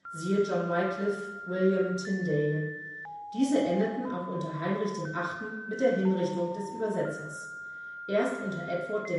siehe John Wyclif, William Tyndale). Diese endeten auch unter Heinrich VIII. mit der Hinrichtung des Übersetzers. Erst unter Edward